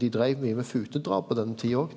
dei dreiv mykje med futedrap på den tida òg.